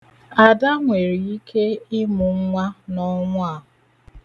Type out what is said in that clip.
Ada nwere ike ịmụ nwa n'ọnwa a.